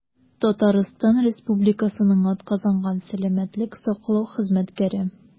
«татарстан республикасының атказанган сәламәтлек саклау хезмәткәре»